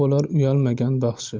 bo'lar uyalmagan baxshi